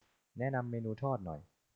แนะนำเมนูทอดหน่อย